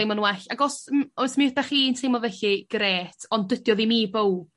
...deimlo'n well ag os m- os mi ydach chi yn timlo felly grêt ond dydi o ddim i bowb.